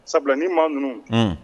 Sabula ni ma ninnu